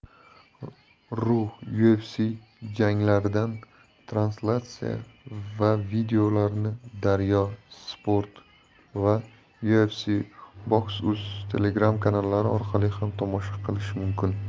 ru ufcjanglardan translyatsiya va videolarni daryo sport va ufcboxuz telegram kanallari orqali ham tomosha qilish mumkin